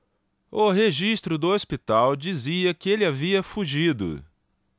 o registro do hospital dizia que ele havia fugido